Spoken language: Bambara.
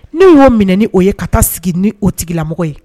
Ni n ka minɛ ni o ye ka taa sigi ni o tigilamɔgɔ ye